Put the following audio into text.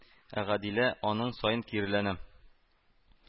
Ә Гадилә аның саен киреләнә